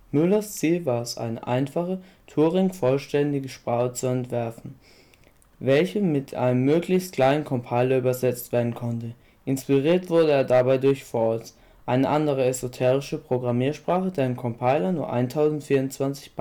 Müllers Ziel war es, eine einfache Turing-vollständige Sprache zu entwerfen, welche mit einem möglichst kleinen Compiler übersetzt werden konnte – inspiriert wurde er dabei durch False, eine andere esoterische Programmiersprache, deren Compiler nur 1024